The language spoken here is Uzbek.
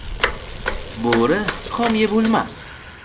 bo'ri xom yeb o'lmas